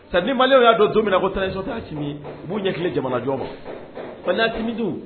Sandi malile y'a dɔn don min na ko taa ni sɔta si u b'u ɲɛti jamanajɔ ma fatimidi